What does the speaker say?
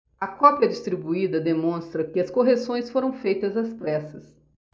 a cópia distribuída demonstra que as correções foram feitas às pressas